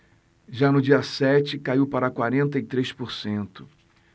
já no dia sete caiu para quarenta e três por cento